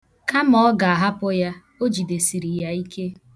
Kama ọ ga-ahapụ ya, o jidesiri ya ike.